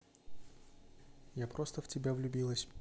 я просто в тебя влюбилась